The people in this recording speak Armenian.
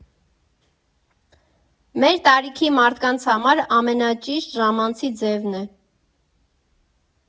Մեր տարիքի մարդկանց համար ամենաճիշտ ժամանցի ձևն է։